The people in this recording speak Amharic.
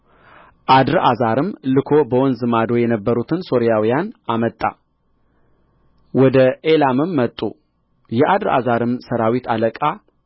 አድርአዛርም ልኮ በወንዝ ማዶ የነበሩትን ሶርያውያን አመጣ ወደ ኤላምም መጡ የአድርአዛርም ሠራዊት አለቃ